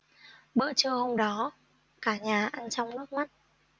bữa trưa hôm đó cả nhà ăn trong nước mắt